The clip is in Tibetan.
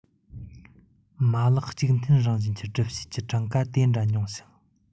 མ ལག གཅིག མཐུན རང བཞིན གྱི སྒྲུབ བྱེད ཀྱི གྲངས ཀ དེ འདྲ ཉུང ཞིང